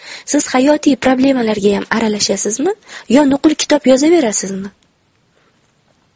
siz hayotiy problemalargayam aralashasizmi yo nuqul kitob yozaverasizmi